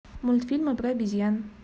мультфильмы про обезьян